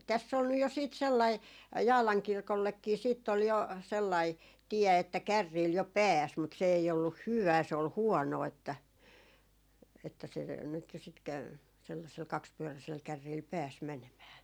tässä oli nyt jo sitten sellainen Jaalan kirkollekin sitten oli jo sellainen tie että kärryillä jo pääsi mutta se ei ollut hyvää se oli huonoa että että se nyt jo sitten kävi sellaisella kaksipyöräisellä kärrillä pääsi menemään